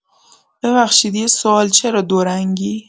ببخشید یه سوال چرا دو رنگی؟